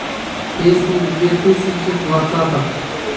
песни в две тысячи двадцатом